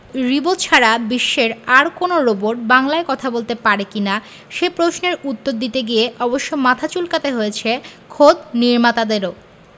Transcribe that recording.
রিবো ছাড়া বিশ্বের আর কোনো রোবট বাংলায় কথা বলতে পারে কি না সে প্রশ্নের উত্তর দিতে গিয়ে অবশ্য মাথা চুলকাতে হয়েছে খোদ নির্মাতাদেরও